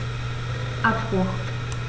Abbruch.